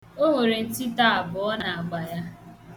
O nwere ntịtọ abuọ n'agba ya.